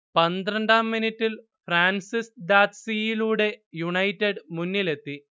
പന്ത്രണ്ടാം മിനിറ്റിൽ ഫ്രാൻസിസ് ദാദ്സീയിലൂടെ യുണൈറ്റഡ് മുന്നിലെത്തി